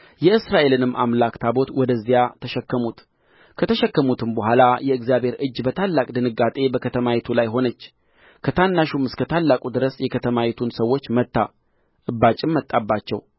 የእስራኤልንም አምላክ ታቦት ወደዚያ ተሸከሙት ከተሸከሙትም በኋላ የእግዚአብሔር እጅ በታላቅ ድንጋጤ በከተማይቱ ላይ ሆነች ከታናሹም እስከ ታላቁ ድረስ የከተማይቱን ሰዎች መታ እባጭም መጣባቸው